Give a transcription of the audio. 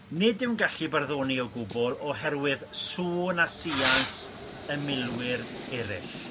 nid yw'n gallu barddoni o gwbl oherwydd sŵn a sians y milwyr erill.